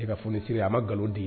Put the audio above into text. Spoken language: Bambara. Se ka fonisiri a ma nkalon di ye